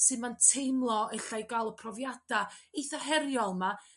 Sut ma'n teimlo ella i ga'l y profiada' eitha' heriol 'ma